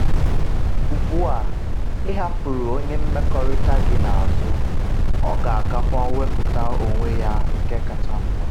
Ugbu a, ịhapụrụ onye mmekọrịta gị n’azụ ọ ga-agakwa wepụta onwe ya nke kacha mma.”